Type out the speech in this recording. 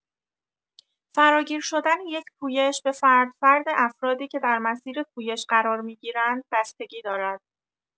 فراگیر شدن یک پویش، به فرد فرد افرادی که در مسیر پویش قرار می‌گیرند بستگی دارد.